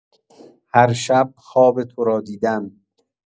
هر شب خواب تو را دیدن.